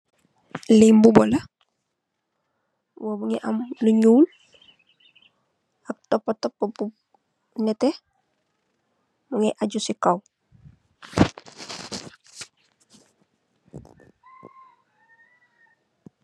Lii mbubulaa, mungii amm lu wehk ak tupu tupu yuu neteh, mungii ajuu sii kaww.